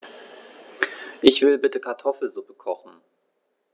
Ich will bitte Kartoffelsuppe kochen.